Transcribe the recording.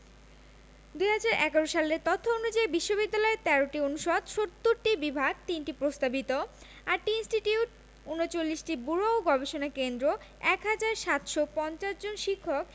২০১১ সালের তথ্য অনুযায়ী বিশ্ববিদ্যালয়ে ১৩টি অনুষদ ৭০টি বিভাগ ৩টি প্রস্তাবিত ৮টি ইনস্টিটিউট ৩৯টি ব্যুরো ও গবেষণা কেন্দ্র ১ হাজার ৭৫০ জন শিক্ষক